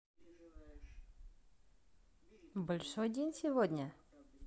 большой день сегодня